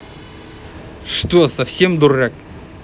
что совсем дурак